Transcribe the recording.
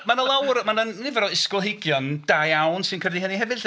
Ma' 'na lawer o... Mae 'na nifer o ysgolheigion da iawn sy'n credu hynny hefyd 'lly.